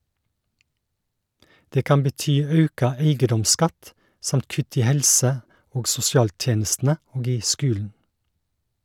Det kan bety auka eigedomsskatt, samt kutt i helse- og sosialtenestene og i skulen.